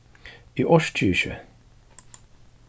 eg orki ikki